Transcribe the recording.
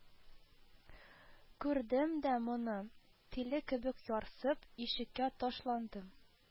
Күрдем дә моны, тиле кебек ярсып, ишеккә ташландым